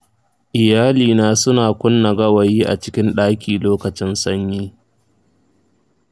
iyalina suna kunna gawayi a cikin ɗaki lokacin sanyi.